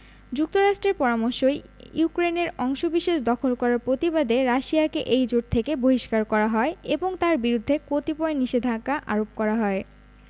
যুক্তরাষ্ট্রের পরামর্শেই ইউক্রেনের অংশবিশেষ দখল করার প্রতিবাদে রাশিয়াকে এই জোট থেকে বহিষ্কার করা হয় এবং তার বিরুদ্ধে কতিপয় নিষেধাজ্ঞা আরোপ করা হয়